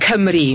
Cymru.